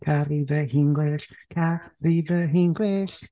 Caru fy hun gwell. Caru fy hun gwell.